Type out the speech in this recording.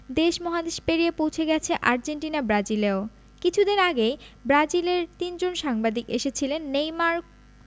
দেশ মহাদেশ পেরিয়ে পৌঁছে গেছে আর্জেন্টিনা ব্রাজিলেও কিছুদিন আগেই ব্রাজিলের তিনজন সাংবাদিক এসেছিলেন নেইমার